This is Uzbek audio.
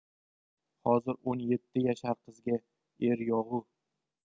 hozir o'n yetti yashar qizga er yo'g'u